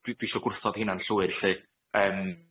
yy dwi dwi sho gwrthod heinia'n llwyr 'lly yym